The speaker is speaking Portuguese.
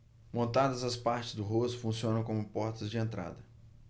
montadas as partes do rosto funcionam como portas de entrada